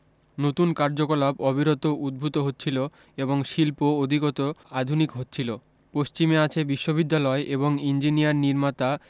নতুন কার্যকলাপ অবিরত উদ্ভূত হচ্ছিল এবং শিল্প অধিকতর আধুনিক হচ্ছিল পশ্চিমে আছে বিশ্ববিদ্যালয় এবং ইঞ্জিনিয়ার নির্মাতা